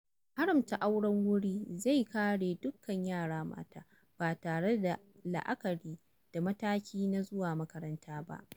Haramta auren wurin zai kare dukkan yara mata, ba tare da la'akari da matakinsu na zuwa makaranta ba.